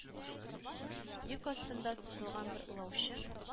Йөк астында сытылган бер олаучы